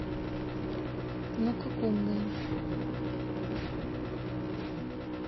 ну как умные